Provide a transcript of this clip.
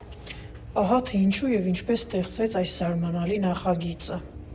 Ահա թե ինչու և ինչպես ծնվեց այս զարմանալի նախագիծը։